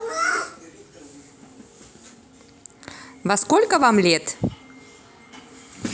во сколько вам лет